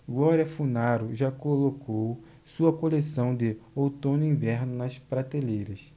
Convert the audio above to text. glória funaro já colocou sua coleção de outono-inverno nas prateleiras